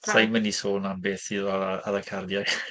Sa i'n mynd i sôn am beth sydd ar y ar y cardiau!